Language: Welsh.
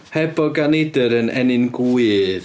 Hebog a neidr yn ennyn gwydd.